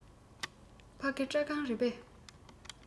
ཕ གི སྐྲ ཁང རེད པས